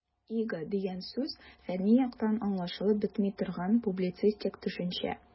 "иго" дигән сүз фәнни яктан аңлашылып бетми торган, публицистик төшенчә.